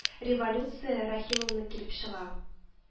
Революция Рәхимовна килеп чыга